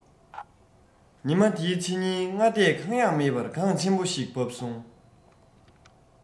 ཉི མ དེའི ཕྱི ཉིན སྔ ལྟས གང ཡང མེད པར གངས ཆེན པོ ཞིག བབས སོང